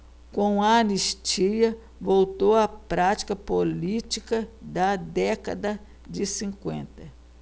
com a anistia voltou a prática política da década de cinquenta